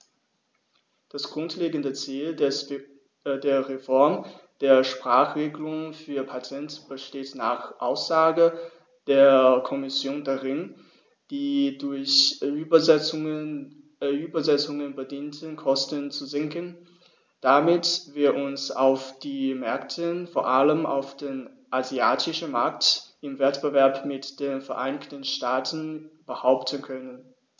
Das grundlegende Ziel der Reform der Sprachenregelung für Patente besteht nach Aussage der Kommission darin, die durch Übersetzungen bedingten Kosten zu senken, damit wir uns auf den Märkten, vor allem auf dem asiatischen Markt, im Wettbewerb mit den Vereinigten Staaten behaupten können.